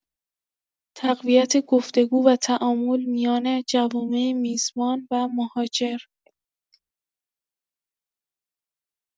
تقویت گفت‌وگو و تعامل میان جوامع میزبان و مهاجر